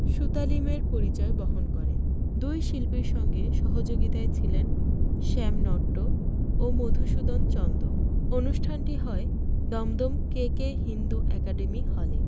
সুতালিমের পরিচয় বহন করে দুই শিল্পীর সঙ্গে সহযোগীতায় ছিলেন শ্যাম নট্ট ও মধুসূদন চন্দ অনুষ্ঠানটি হয় দমদম কেকে হিন্দু একাডেমি হলে